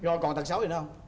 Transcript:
rồi còn tật xấu gì nữa không